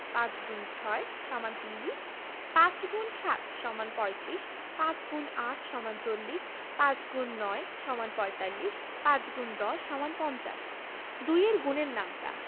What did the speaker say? ৫x ৬ = ৩০ ৫× ৭ = ৩৫ ৫× ৮ = ৪০ ৫x ৯ = ৪৫ ৫×১০ = ৫০ ২ এর গুণের নামতা